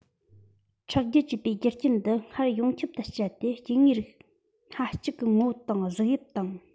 ཁྲག རྒྱུད ཅེས པའི རྒྱུ རྐྱེན འདི སྔར ཡོངས ཁྱབ ཏུ སྤྱད དེ སྐྱེ དངོས རིགས སྣ གཅིག གི ངོ བོ དང གཟུགས དབྱིབས དང